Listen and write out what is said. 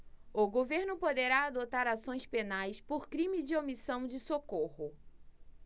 o governo poderá adotar ações penais por crime de omissão de socorro